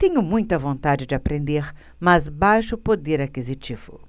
tenho muita vontade de aprender mas baixo poder aquisitivo